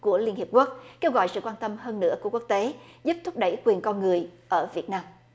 của liên hiệp quốc kêu gọi sự quan tâm hơn nữa của quốc tế giúp thúc đẩy quyền con người ở việt nam